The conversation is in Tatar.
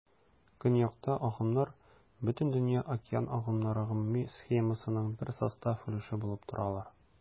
Көньякта агымнар Бөтендөнья океан агымнары гомуми схемасының бер состав өлеше булып торалар.